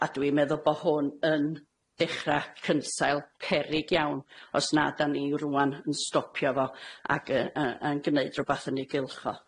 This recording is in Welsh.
A dwi meddwl bo' hwn yn dechra cynsail peryg iawn os na 'dan ni rŵan yn stopio fo ag yy yy yn gneud rwbath yn ei gylch o.